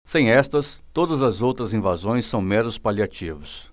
sem estas todas as outras invasões são meros paliativos